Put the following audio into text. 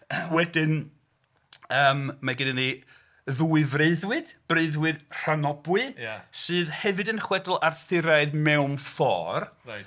Wedyn yym mae gennym ni ddwy freuddwyd, breuddwyd Rhonabwy... Ia... Sydd hefyd yn chwedl Arthuraidd mewn ffordd... Reit.